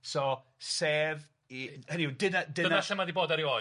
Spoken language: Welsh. So, sef i, hynny yw dyna dyna... Dyna lle mae o wedi bod erioed?